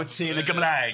wyt ti yn y Gymraeg.